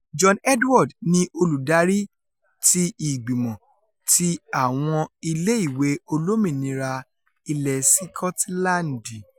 John Edward ni Olùdarí ti Ìgbìmọ̀ ti Àwọn Ilé ìwé Olómìnira Ilẹ Sikotilandi